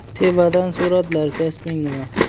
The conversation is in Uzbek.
tevadan so'radilar kasbing nima